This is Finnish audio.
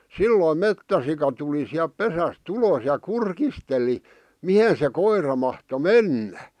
silloin metsäsika tuli sieltä pesästä ulos ja kurkisteli mihin se koira mahtoi mennä